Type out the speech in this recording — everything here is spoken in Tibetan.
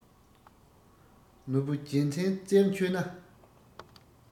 ནོར བུ རྒྱལ མཚན རྩེར མཆོད ན